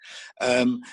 Yym